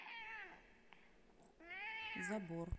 забор